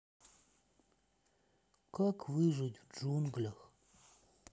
как выжить в джунглях